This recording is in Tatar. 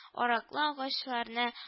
Араклы агачларны